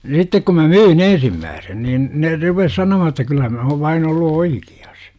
sitten kun minä myin ensimmäisen niin ne rupesi sanomaan että kyllä minä olen vain ollut oikeassa